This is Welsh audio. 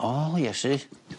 O Iesu.